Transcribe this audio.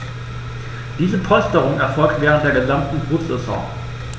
Diese Polsterung erfolgt während der gesamten Brutsaison.